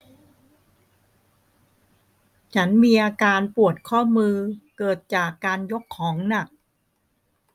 ฉันมีอาการปวดข้อมือเกิดจากการยกของหนัก